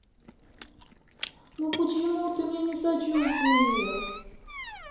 ну почему ты мне не сочувствуешь